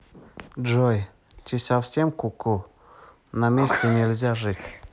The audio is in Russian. джой ты совсем куку намасте нельзя жить